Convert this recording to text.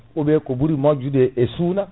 ou bien ko ɓuuri moƴƴude e suuna